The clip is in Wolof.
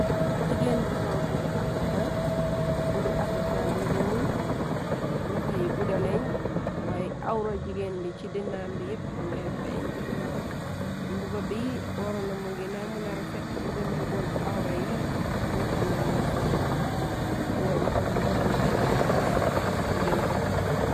Jigéen bu sol mbubi afrikan bu bi african bu ñyuul loxoy gudaneñ waaye awra jigéen bi ci dinambi yépp nga feeñ mbuba bi warona mu gina muna rafet buñu na boon awra yi nga xamne muy feeñ mboo bi tamit waro namu gina muna yi raax mu gina rafet.